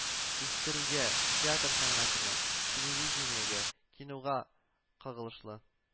Үстерүгә, театр сәнгатенә, телевидениегә, кинога кагылышлы